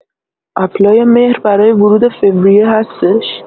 اپلای مهر برای ورودی فوریه هستش؟